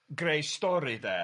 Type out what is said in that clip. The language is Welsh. creu stori de